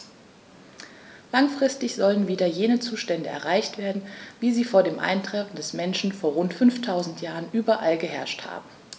Langfristig sollen wieder jene Zustände erreicht werden, wie sie vor dem Eintreffen des Menschen vor rund 5000 Jahren überall geherrscht haben.